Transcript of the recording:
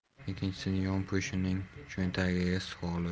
ikkinchisini yompo'shining cho'ntagiga